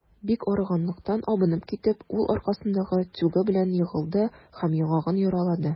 Бик арыганлыктан абынып китеп, ул аркасындагы тюгы белән егылды һәм яңагын яралады.